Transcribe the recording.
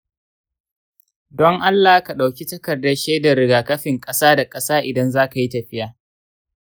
don allah ka ɗauki takardar shaidar rigakafin ƙasa da ƙasa idan za ka yi tafiya.